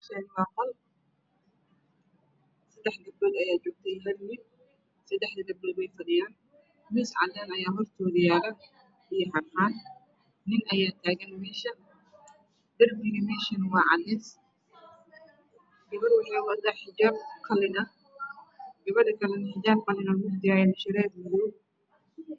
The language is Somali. Meshaan waa qol sadx gaabdhood ayaa joogto iyo hal wiiil sadaxda gabdhood wey fadhiyaan miis cadaan ayaa hortoda yaalo iyo harqaan nin ayaa tagan meesha darpiga meesha waa cades Gabar waxey wada taa xijaap qalinn ah qabadha kalane xijaap qalin ah oo mugdiah iyo indha shareer madow